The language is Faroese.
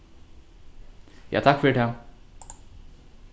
ja takk fyri tað